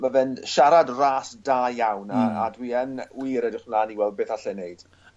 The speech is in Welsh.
ma' fe'n siarad ras da iawn a a dwi yn wir edrych mlan i weld beth all e neud.